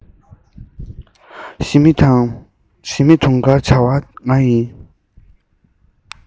ཞི མི དུང དཀར བྱ བ ང ཡིན